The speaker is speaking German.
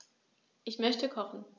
Ich möchte kochen.